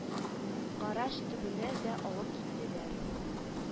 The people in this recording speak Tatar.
Гараж төбенә дә алып килделәр